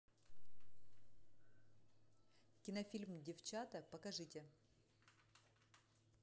кинофильм девчата покажите